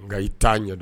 Nka i t' ɲɛdɔn